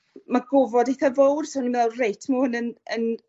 ma' gofod itha fowr so o'n i'n me'wl reit ma' hwn yn yn